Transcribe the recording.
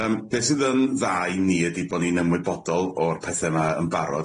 Yym be' sydd yn dda i ni ydi bo' ni'n ymwybodol o'r pethe 'ma yn barod.